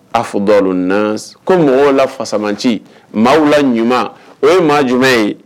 A fɔ baro na ko mɔgɔw la fasama ci maa la ɲuman o ye maa jumɛn ye